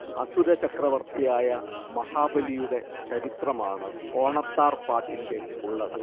അസുര ചക്രവർത്തിയായ മഹാബലിയുടെ ചരിത്രമാണ് ഓണത്താർ പാട്ടിന്റെ ഉള്ളടക്കം